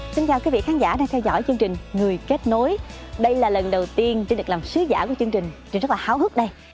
xin chào quý vị khán giả đang theo dõi chương trình người kết nối đây là lần đầu tiên trinh được làm sứ giả của chương trình trinh rất là háo hức đây